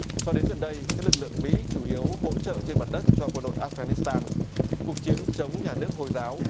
cho đến gần đây các lực lượng mỹ chủ yếu hỗ trợ trên mặt đất cho quân đội áp ga nít san cuộc chiến chống nhà nước hồi giáo